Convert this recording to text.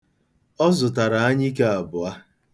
Ọ zụtara anyike abụọ.